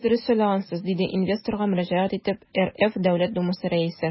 Сез дөрес сайлагансыз, - диде инвесторга мөрәҗәгать итеп РФ Дәүләт Думасы Рәисе.